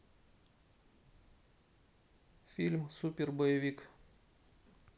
фильм супер боевик